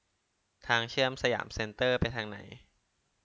ทางเชื่อมสยามเซนเตอร์ไปทางไหน